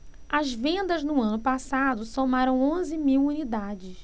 as vendas no ano passado somaram onze mil unidades